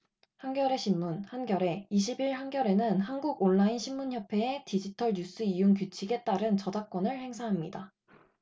한겨레신문 한겨레 이십 일 한겨레는 한국온라인신문협회의 디지털뉴스이용규칙에 따른 저작권을 행사합니다